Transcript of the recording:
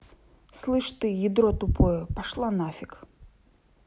слышь ты ядро тупое пошла нафиг